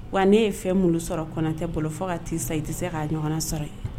Wa ne ye fɛn munnu sɔrɔ Kɔnate bolo fo ka t'i sa i ti se k'a ɲɔgɔnna sɔrɔ ye